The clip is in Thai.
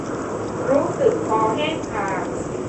รู้สึกคอแห้งผาก